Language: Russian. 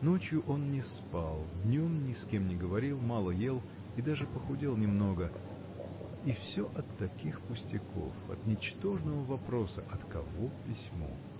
Ночью он не спал, днем ни с кем не говорил, мало ел и даже похудел немного — и всё от таких пустяков, от ничтожного вопроса: от кого письмо?